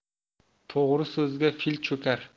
to'g'ri so'zga fil cho'kar